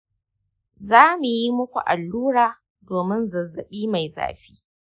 za mu yi muku allura domin zazzabi mai zafi